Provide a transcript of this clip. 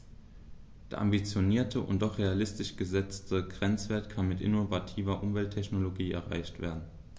Der ambitionierte und doch realistisch gesetzte Grenzwert kann mit innovativer Umwelttechnologie erreicht werden.